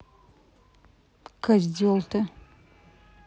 козел ты